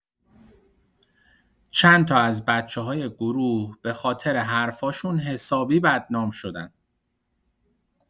چندتا از بچه‌ها توی گروه به‌خاطر حرفاشون حسابی بدنام شدن.